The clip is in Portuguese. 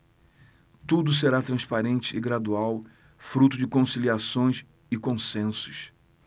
tudo será transparente e gradual fruto de conciliações e consensos